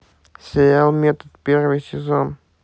сериал метод первый сезон